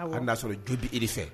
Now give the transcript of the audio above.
Hali n'a sɔrɔ jo bɛ e de fɛ